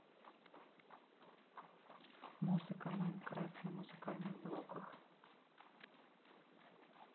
музыка майнкрафт на музыкальных блоках